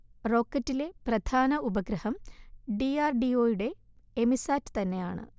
റോക്കറ്റിലെ പ്രധാന ഉപഗ്രഹം D R D O യുടെ എമിസാറ്റ് തന്നെയാണ്